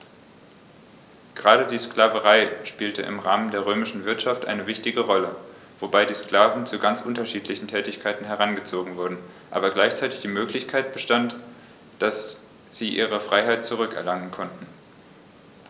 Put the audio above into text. Gerade die Sklaverei spielte im Rahmen der römischen Wirtschaft eine wichtige Rolle, wobei die Sklaven zu ganz unterschiedlichen Tätigkeiten herangezogen wurden, aber gleichzeitig die Möglichkeit bestand, dass sie ihre Freiheit zurück erlangen konnten.